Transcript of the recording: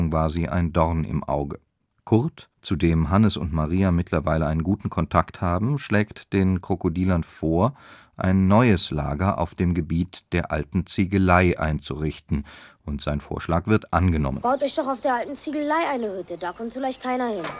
war sie ein Dorn im Auge. Kurt, zu dem Hannes und Maria mittlerweile einen guten Kontakt haben, schlägt den Krokodilern vor, ein neues Lager auf dem Gebiet der alten Ziegelei einzurichten, und sein Vorschlag wird angenommen. Er